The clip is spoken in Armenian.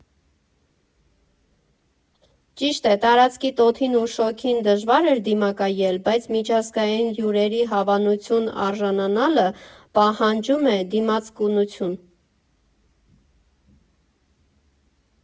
Ճիշտ է, տարածքի տոթին ու շոգին դժվար էր դիմակայել, բայց միջազգային հյուրերի հավանության արժանանալը պահանջում է դիմացկունություն։